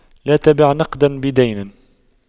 لا تبع نقداً بدين